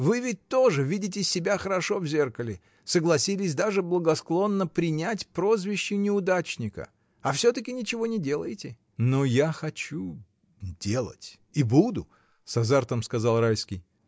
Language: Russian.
Вы ведь тоже видите себя хорошо в зеркале: согласились даже благосклонно принять прозвище неудачника, — а все-таки ничего не делаете? — Но я хочу. делать — и буду! — с азартом сказал Райский.